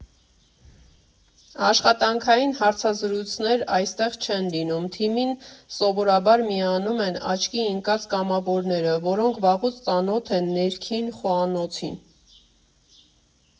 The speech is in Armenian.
Աշխատանքային հարցազրույցներ այստեղ չեն լինում, թիմին սովորաբար միանում են աչքի ընկած կամավորները, որոնք վաղուց ծանոթ են ներքին խոհանոցին։